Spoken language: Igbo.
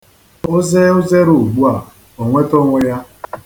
O zee uzere ugbu a, o nweta onwe ya.